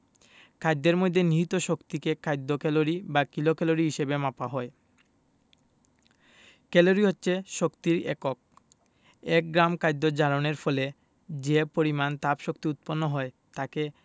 খাদ্যের মধ্যে নিহিত শক্তিকে খাদ্য ক্যালরি বা কিলোক্যালরি হিসেবে মাপা হয় ক্যালরি হচ্ছে শক্তির একক এক গ্রাম খাদ্য জারণের ফলে যে পরিমাণ তাপশক্তি উৎপন্ন হয় তাকে